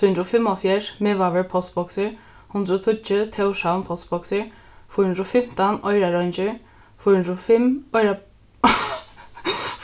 trý hundrað og fimmoghálvfjerðs miðvágur postboksir hundrað og tíggju tórshavn postboksir fýra hundrað og fimtan oyrareingir fýra hundrað og fimm